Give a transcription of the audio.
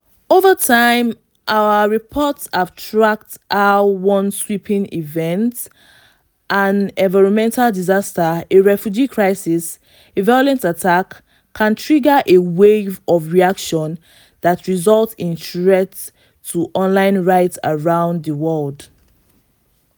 Over time, our reports have tracked how one sweeping event — an environmental disaster, a refugee crisis, a violent attack — can trigger a wave of reaction that results in threats to online rights around the world.